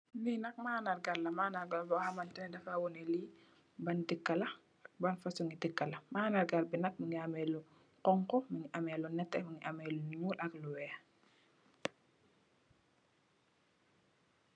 Lii nak maandarr gah la, mandarr gah bor hamanteh neh dafai wohneh lii ban dehkah la, ban fasoni dehkah la, mandarr gah bii nak mungy ameh lu khonku , mungy ameh lu nehteh, mungy ameh lu njull, ak lu wekh.